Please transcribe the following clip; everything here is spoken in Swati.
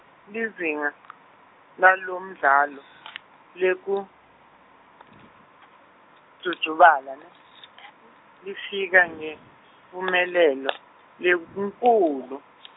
lizinga , lalomdlalo, lekujujubala ne, lifika, ngemphumelelo, lenkhulu.